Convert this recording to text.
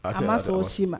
A tun ma sɔn si ma